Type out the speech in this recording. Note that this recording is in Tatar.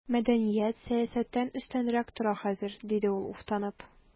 Мәдәният сәясәттән өстенрәк тора хәзер, диде ул уфтанып.